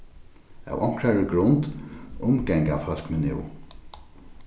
av onkrari grund umganga fólk meg nú